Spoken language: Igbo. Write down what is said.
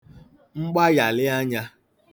mgbayàlị anya